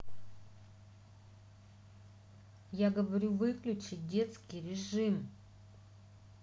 я говорю выключить детский режим